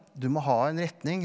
du må ha en retning.